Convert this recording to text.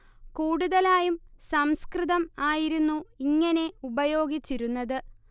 കൂടുതലായും സംസ്കൃതം ആയിരുന്നു ഇങ്ങനെ ഉപയോഗിച്ചിരുന്നത്